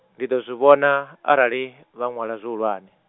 ndi ḓo zwi vhona, arali, vha ṅwala zwihulwane.